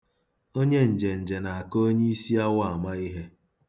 Onye njenje na-aka onye isi awọ ama ihe.